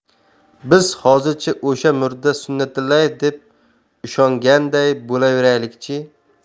biz hozircha o'sha murda sunnatullaev deb ishonganday bo'laveraylik chi